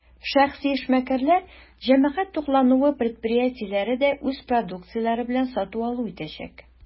Шәхси эшмәкәрләр, җәмәгать туклануы предприятиеләре дә үз продукцияләре белән сату-алу итәчәк.